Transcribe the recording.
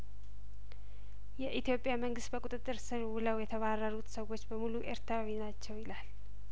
የኢትዮጵያ መንግስት በቁጥጥር ስር ውለው የተባረሩት ሰዎች በሙሉ ኤርትራዊ ናቸው ይላል